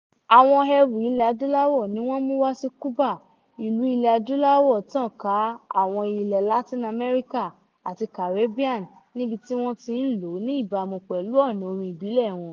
Àwọn ẹrù ilẹ̀ Adúláwò ni wọ́n mú u wá sí Cuba, ìlú ilẹ̀ Adúláwò tàn ká àwọn ilẹ̀ Látìn Amẹ́ríkà àti Caribbean, níbi tí wọ́n tí ń lò ó ní ìbámu pẹ̀lú ọ̀nà orin ìbílẹ̀ wọn.